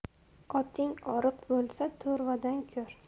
oting oriq bo'lsa to'rvadan ko'r